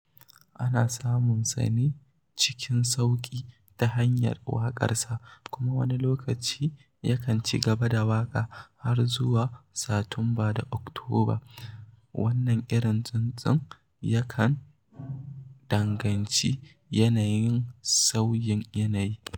Ana samunsa ne cikin sauƙi ta hanyar waƙarsa kuma wani lokacin yakan cigaba da waƙa har zuwa Satumba da Oktoba. Wannan irin tsuntsun yakan danganci yanayin sauyin yanayi.